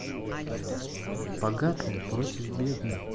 богатая против бедной